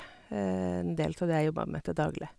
En del ta det jeg jobber med til daglig.